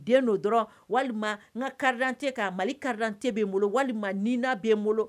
Den don dɔrɔn walima n ka kari tɛ ka mali kari tɛ bɛ n bolo walima niina b bɛ n bolo